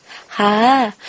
ha a a